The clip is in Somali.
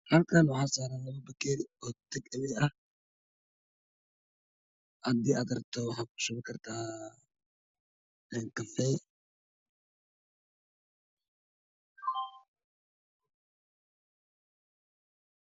halkan waxa saran laba bakeri hadi ad rabto waxad kushuban karma en kafey